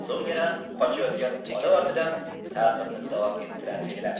so'ng yana qochayotgan poda ortidan taqibni davom ettirar edilar